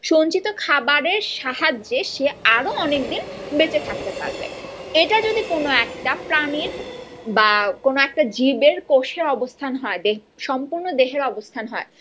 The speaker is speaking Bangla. সঞ্চিত খাবার এর সাহায্যে সে আরো অনেক দিন বেঁচে থাকতে পারবে এটা যদি কোন একটা প্রাণীর বা কোন একটা জীবের কোষ এর অবস্থা হয় সম্পূর্ণ দেহের অবস্থা হয়